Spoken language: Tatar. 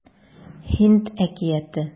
Һинд әкияте